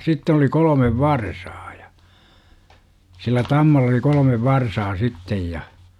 sitten oli kolme varsaa ja sillä tammalla oli kolme varsaa sitten ja